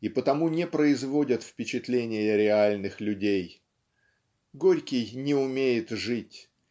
и потому не производят впечатления реальных людей. Горький не умеет жить.